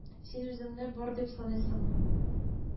Син үзеңне бар дип саныйсыңмы